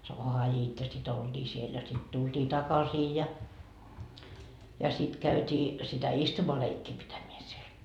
sitten oltiin siellä ja sitten tultiin takaisin ja ja sitten käytiin sitä istumaleikkiä pitämään siellä